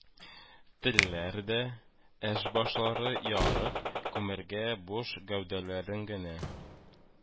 Тәләр дә, эч-башларын ярып, күмәргә буш гәүдәләрен генә